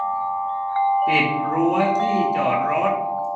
ปิดรั้วที่จอดรถ